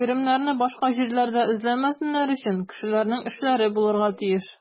Керемнәрне башка җирләрдә эзләмәсеннәр өчен, кешеләрнең эшләре булырга тиеш.